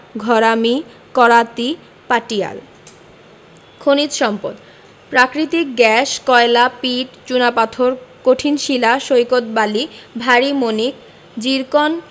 ঘরামি করাতি পাটিয়াল খনিজ সম্পদঃ প্রাকৃতিক গ্যাস কয়লা পিট চুনাপাথর কঠিন শিলা সৈকত বালি ভারি মণিক জিরকন